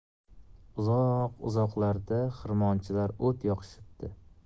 uzoq uzoqlarda xirmonchilar o't yoqishibdi